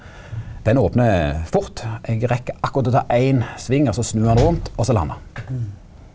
den opner fort eg rekk akkurat å ta ein sving og så snu han rundt også landa.